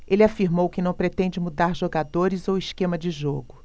ele afirmou que não pretende mudar jogadores ou esquema de jogo